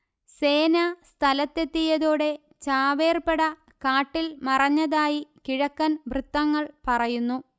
സേന സ്ഥലത്തെത്തിയതോടെ ചാവേർപട കാട്ടിൽ മറഞ്ഞതായി കിഴക്കൻ വൃത്തങ്ങൾ പറയുന്നു